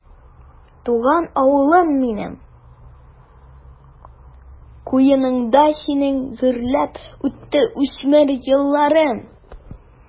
Туган авылым минем, куеныңда синең гөрләп үтте үсмер елларым.